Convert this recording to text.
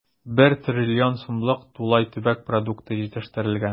1 трлн сумлык тулай төбәк продукты җитештерелгән.